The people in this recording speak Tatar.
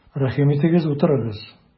Рәхим итегез, утырыгыз!